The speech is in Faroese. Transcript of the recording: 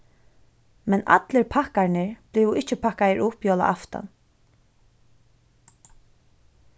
men allir pakkarnir blivu ikki pakkaðir upp jólaaftan